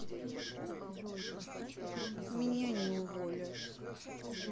меня не уволят